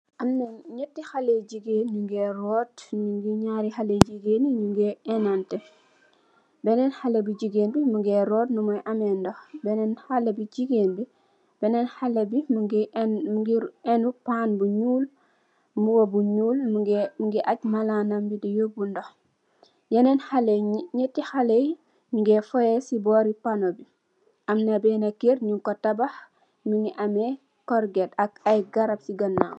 Nyeeti xaaley yu jigaan nyu gi ruut. Nyaari xaaley nyu jigaan nyu gi ennanteh, benen xaaley bu jigeen bi mugi khol numuye ammee dokh, benen xaaley bi mugi ennou pann mu niol, mbuba bu niol, mugi agg malaal nambi di yorbu ndokh, nyeeti xaaley yi nyu ngee fohyee si mbori ponno bi. Amna benna Kerr nyu gi ko tabakh mugi ammee korgate ak ayy garam